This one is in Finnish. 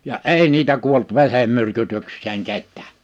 ja ei niitä kuollut verenmyrkytykseen ketään